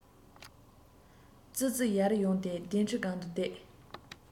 ཙི ཙི ཡར ཡོང སྟེ གདན ཁྲིའི སྒང དུ བསྡད